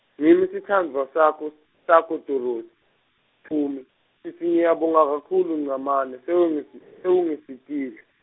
ngimi sitsandvwa sakho, sakho Dorothi, Phumi, sisi ngiyabonga kakhulu Ngcamane sewungisi- sewungisitile.